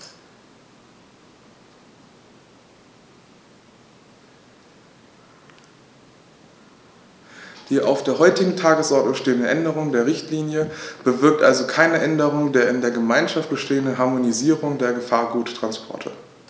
Die auf der heutigen Tagesordnung stehende Änderung der Richtlinie bewirkt also keine Änderung der in der Gemeinschaft bestehenden Harmonisierung der Gefahrguttransporte.